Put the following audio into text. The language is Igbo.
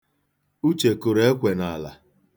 Uche kụrụ ekwe n'ala.